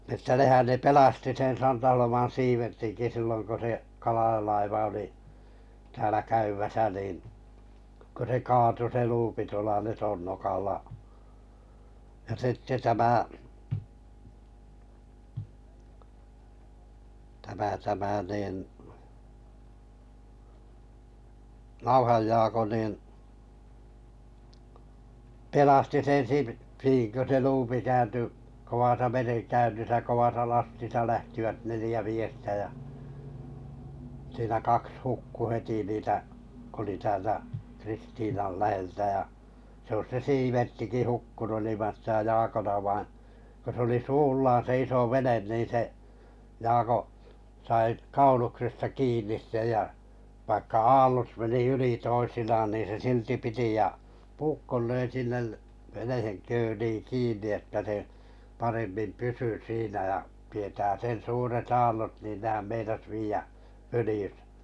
että nehän ne pelasti sen Santaholman Siivertinkin silloin kun se Kalaja-laiva oli täällä käymässä niin kun se kaatui se luuppi tuolla Letonnokalla ja sitten tämä tämä tämä niin Nauhan Jaakko niin pelasti sen - niin kun se luuppi kääntyi kovassa merenkäynnissä kovassa lastissa lähtivät neljä miestä ja siinä kaksi hukkui heti niitä kun oli täältä Kristiinan läheltä ja se olisi se Siiverttikin hukkunut ilman sitä Jaakon - vaan kun se oli suullaan se iso vene niin se Jaakko sai kauluksesta kiinni sen ja vaikka aallot meni yli toisinaan niin se silti piti ja puukon löi sinne veneen köliin kiinni että se paremmin pysyi siinä ja tietää sen suuret aallot niin nehän meinasi viedä följyssä